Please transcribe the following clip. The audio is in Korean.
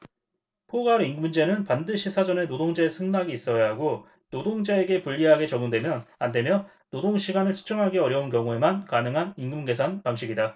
포괄임금제는 반드시 사전에 노동자의 승낙이 있어야 하고 노동자에게 불리하게 적용되면 안 되며 노동시간을 측정하기 어려운 경우에만 가능한 임금계산 방식이다